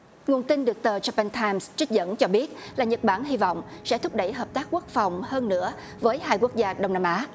nguồn tin được tờ gia pan tham trích dẫn cho biết là nhật bản hy vọng sẽ thúc đẩy hợp tác quốc phòng hơn nữa với hai quốc gia đông nam á